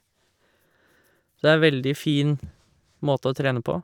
Så det er veldig fin måte å trene på.